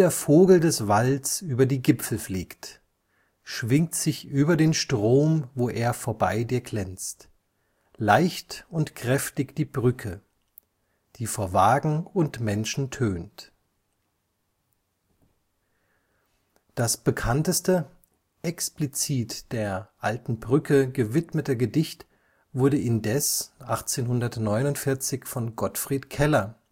Vogel des Walds über die Gipfel fliegt, Schwingt sich über den Strom, wo er vorbei dir glänzt, Leicht und kräftig die Brüke, Die vor Wagen und Menschen tönt. Das bekannteste, explizit der Alte Brücke gewidmete Gedicht wurde indes 1849 von Gottfried Keller